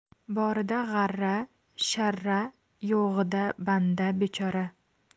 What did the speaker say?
borida g'arra sharra yo'g'ida banda bechora